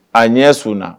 A ɲɛ sɔnna